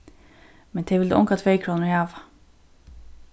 men tey vildu ongar tveykrónur hava